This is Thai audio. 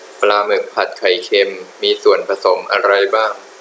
ปลาหมึกผัดไข่เค็มมีส่วนผสมอะไรบ้าง